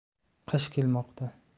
qish kelmoqda